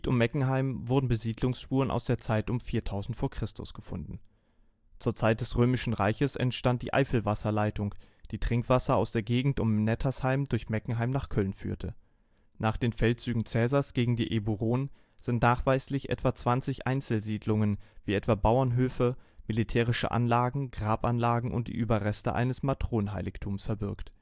Meckenheim wurden Besiedlungsspuren aus der Zeit um 4000 vor Christus gefunden. Zur Zeit des Römischen Reiches entstand die Eifelwasserleitung, die Trinkwasser aus der Gegend um Nettersheim durch Meckenheim nach Köln führte. Nach den Feldzügen Cäsars gegen die Eburonen sind nachweislich etwa 20 Einzelsiedlungen, wie etwa Bauernhöfe, militärische Anlagen, Grabanlagen und die Überreste eines Matronenheiligtums verbürgt